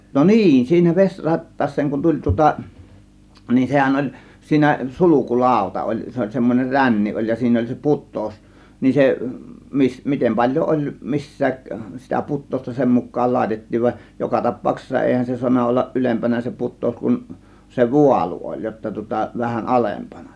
no niin siinä vesi rattaaseen kun tuli tuota niin sehän oli siinä sulku lauta oli se oli semmoinen ränni oli ja siinä oli se putous niin se - miten paljon oli missäkin sitä putousta niin sen mukaan laitettiin vaan joka tapauksessa eihän se saanut olla ylempänä se putous kun se vaalu oli jotta tuota vähän alempana